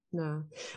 Na.